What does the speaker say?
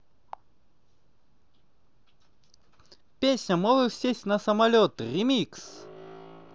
песня можешь сесть на самолет ремикс